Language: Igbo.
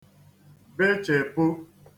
bechèpụ